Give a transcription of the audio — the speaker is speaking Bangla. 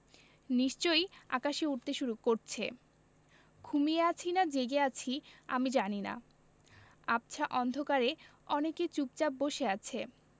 নিশ্চয়ই আকাশে উড়তে শুরু করছে ঘুমিয়ে আছি না জেগে আছি আমি জানি না আবছা অন্ধকারে অনেকে চুপচাপ বসে আছে